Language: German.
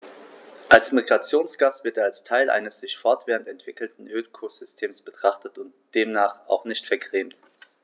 Als Migrationsgast wird er als Teil eines sich fortwährend entwickelnden Ökosystems betrachtet und demnach auch nicht vergrämt.